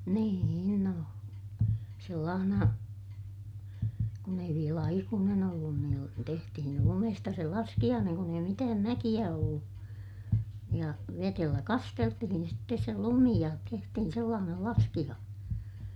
niin no sellaisena kun ei vielä aikuinen ollut - tehtiin lumesta se laskiainen kun ei mitään mäkiä ollut ja vedellä kasteltiin sitten se lumi ja tehtiin sellainen laskiainen